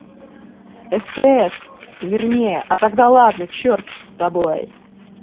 стс вернее а тогда ладно черт с тобой